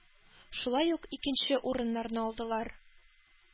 Шулай ук, икенче урыннарны алдылар.